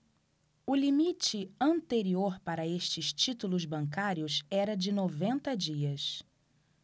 o limite anterior para estes títulos bancários era de noventa dias